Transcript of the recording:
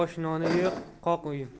osh noni yo'q qoq uyim